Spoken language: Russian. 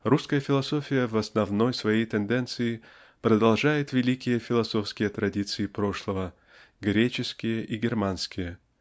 Русская философия в основной своей тенденции продолжает великие философские традиции прошлого греческие и германские